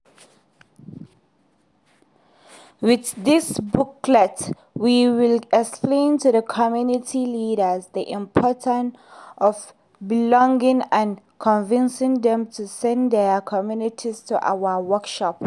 With this booklet, we will explain to the community leaders the importance of blogs and convince them to send their communities to our workshops.